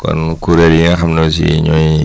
kon kuréel yi nga xam ne aussi ñooy